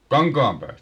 Kankaanpäästä